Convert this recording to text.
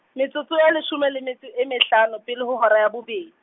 metsotso e leshome le metso e mehlano pele ho hora ya bobe-.